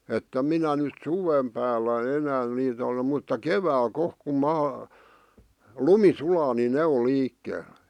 että minä nyt suven päällä enää niitä ole mutta keväällä kohta kun maa lumi sulaa niin ne on liikkeellä